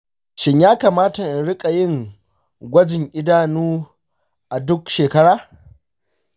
shin ya kamata in riƙa yin gwajin idanu a duk shekara ?